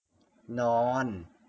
นอน